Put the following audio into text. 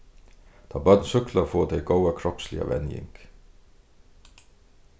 tá børn súkkla fáa tey góða kropsliga venjing